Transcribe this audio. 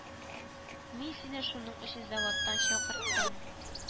Мин сине шуның өчен заводтан чакырттым